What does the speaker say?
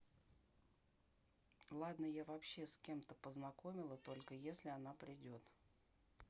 ладно я вообще с кем то познакомила только если она придет